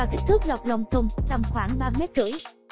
và kích thước lọt lòng thùng tầm khoảng mét rưỡi